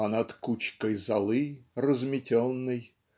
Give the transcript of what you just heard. А над кучкой золы разметенной